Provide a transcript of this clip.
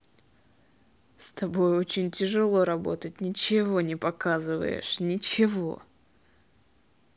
с тобой очень тяжело работать ничего не показываешь ничего